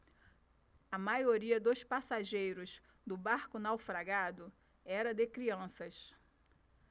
a maioria dos passageiros do barco naufragado era de crianças